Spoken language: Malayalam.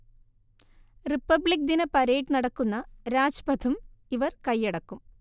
റിപ്പബ്ലിക് ദിന പരേഡ് നടക്കുന്ന രാജ്പഥും ഇവർ കൈയടക്കും